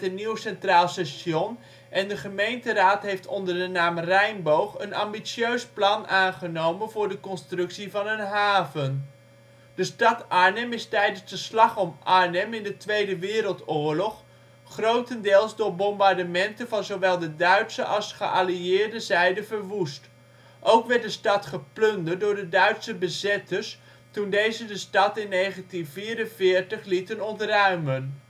nieuw centraal station en de gemeenteraad heeft onder de naam Rijnboog een ambitieus plan aangenomen voor de constructie van een haven. De stad Arnhem is tijdens de Slag om Arnhem in de Tweede Wereldoorlog grotendeels door bombardementen van zowel de Duitse als de geallieerde zijde verwoest. Ook werd de stad geplunderd door de Duitse bezetters toen deze de stad in 1944 lieten ontruimen